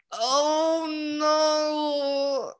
Oh, no!